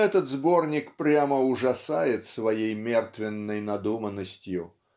-- этот сборник прямо ужасает своей мертвенной надуманностью